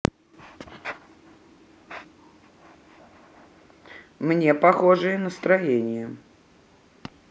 мне похожее настроение